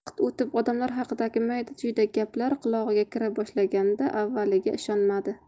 vaqt o'tib domlalar haqidagi mayda chuyda gaplar qulog'iga kira boshlaganda avvaliga ishonmadi